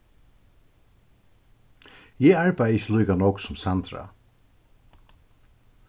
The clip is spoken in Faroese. eg arbeiði ikki líka nógv sum sandra